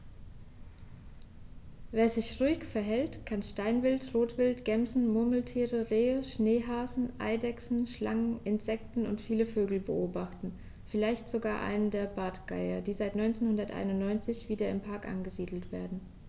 Wer sich ruhig verhält, kann Steinwild, Rotwild, Gämsen, Murmeltiere, Rehe, Schneehasen, Eidechsen, Schlangen, Insekten und viele Vögel beobachten, vielleicht sogar einen der Bartgeier, die seit 1991 wieder im Park angesiedelt werden.